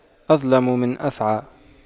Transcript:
أظلم من أفعى